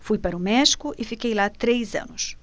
fui para o méxico e fiquei lá três anos